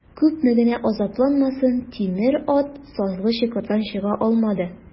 Күпме генә азапланмасын, тимер ат сазлы чокырдан чыга алмады.